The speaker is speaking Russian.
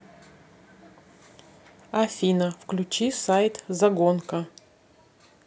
афина включи сайт загонка